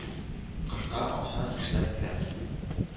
Кышка акча эшләп керәбез.